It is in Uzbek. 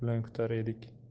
bilan kutar edik